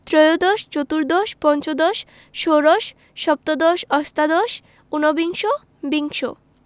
ত্ৰয়োদশ চতুর্দশ পঞ্চদশ ষোড়শ সপ্তদশ অষ্টাদশ উনবিংশ বিংশ